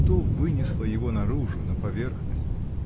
что вынесло его наружу, на поверхность?